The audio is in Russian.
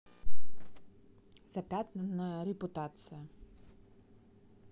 запятнанная репутация